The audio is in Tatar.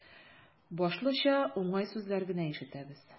Башлыча, уңай сүзләр генә ишетәбез.